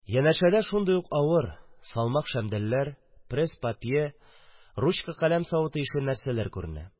Нәшәдә шундый ук авыр, салмак шәмдәлләр, пресс-папье, ручка-каләм савыты ише нәрсәләр дә күренә.